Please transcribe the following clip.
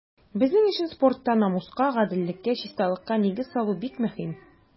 Безнең өчен спортта намуска, гаделлеккә, чисталыкка нигез салу бик мөһим.